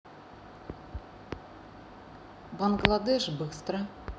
бангладеш быстро